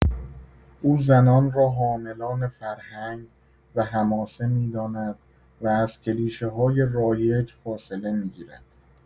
او زنان را حاملان فرهنگ و حماسه می‌داند و از کلیشه‌های رایج فاصله می‌گیرد.